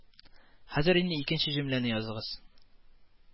Хәзер инде икенче җөмләне языгыз